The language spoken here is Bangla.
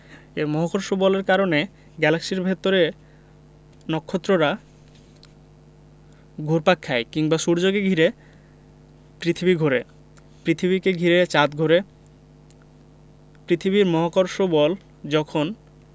এই মহাকর্ষ বলের কারণে গ্যালাক্সির ভেতরে নক্ষত্ররা ঘুরপাক খায় কিংবা সূর্যকে ঘিরে পৃথিবী ঘোরে পৃথিবীকে ঘিরে চাঁদ ঘোরে পৃথিবীর মহাকর্ষ বল যখন